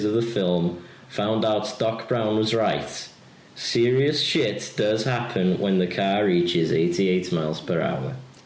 Of the film found out Doc Brown was right. Serious shit does happen when the car reaches eighty eight miles per hour.